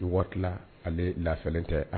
Waatiti ale lafɛnlen tɛ